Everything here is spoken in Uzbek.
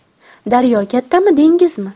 daryo kattami dengizmi